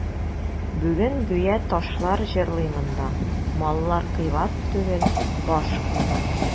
Бүген гүя ташлар җырлый монда: «Маллар кыйбат түгел, баш кыйбат».